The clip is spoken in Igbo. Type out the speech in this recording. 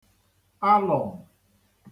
alọ̀m̀